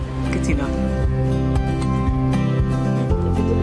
...cytuno.